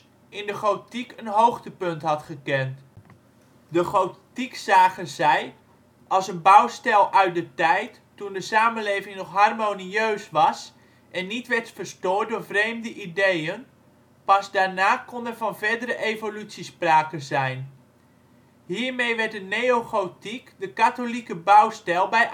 in de gotiek een hoogtepunt had gekend. De gotiek zagen zij als de bouwstijl uit een tijd toen de samenleving nog harmonieus was en niet werd verstoord door vreemde ideeën, pas daarna kon er van verdere evolutie sprake zijn. Hiermee werd de neogotiek de katholieke bouwstijl bij